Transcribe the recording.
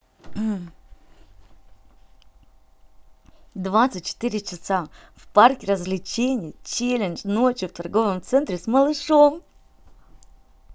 двадцать четыре часа в парке развлечений челлендж ночью в торговом центре с малышом